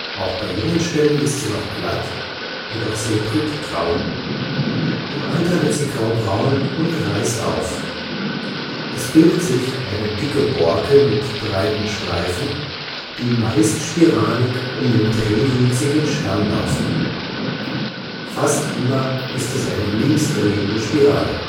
Auch bei jungen Stämmen ist sie noch glatt, jedoch silbrig-grau. Im Alter wird sie graubraun und reißt auf. Es bildet sich eine dicke Borke mit breiten Streifen, die meist spiralig um den drehwüchsigen Stamm laufen. Fast immer ist es eine linksdrehende Spirale